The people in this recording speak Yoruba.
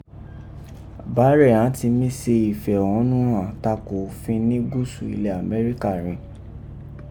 Bá rẹ̀ án ti mi se ifẹhọnọ́ghàn tako ofin ni Guusu ilẹ̀ Amẹrika rin.